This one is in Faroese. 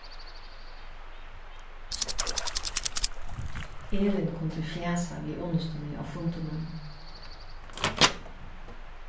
elin kundi fjasa við unnustuni á fundinum